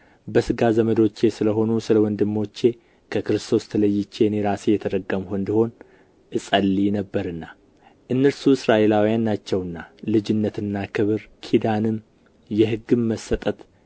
በሥጋ ዘመዶቼ ስለ ሆኑ ስለ ወንድሞቼ ከክርስቶስ ተለይቼ እኔ ራሴ የተረገምሁ እንድሆን እጸልይ ነበርና እነርሱ እስራኤላውያን ናቸውና ልጅነትና ክብር ኪዳንም የሕግም መሰጠት